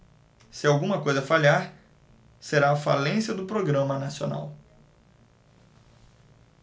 se alguma coisa falhar será a falência do programa nacional